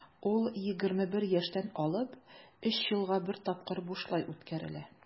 Ул 21 яшьтән алып 3 елга бер тапкыр бушлай үткәрелә.